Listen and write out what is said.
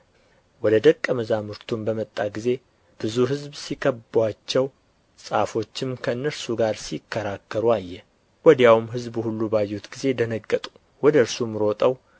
ወደ ደቀ መዛሙርቱም በመጣ ጊዜ ብዙ ሕዝብ ሲከብቡአቸው ጻፎችም ከእነርሱ ጋር ሲከራከሩ አየ ወዲያውም ሕዝቡ ሁሉ ባዩት ጊዜ ደነገጡ ወደ እርሱም ሮጠው